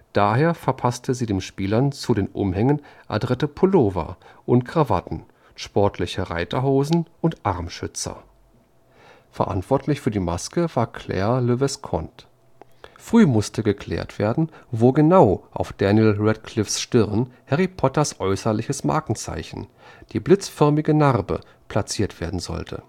daher verpasste sie den Spielern zu den Umhängen adrette Pullover und Krawatten, sportliche Reiterhosen und Armschützer. Verantwortlich für die Maske war Clare Le Vesconte. Früh musste geklärt werden, wo genau auf Daniel Radcliffes Stirn Harry Potters äußerliches Markenzeichen, die blitzförmige Narbe, platziert werden sollte